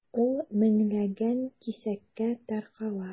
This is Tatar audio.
Ул меңләгән кисәккә таркала.